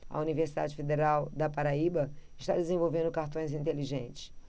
a universidade federal da paraíba está desenvolvendo cartões inteligentes